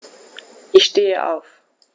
Ich stehe auf.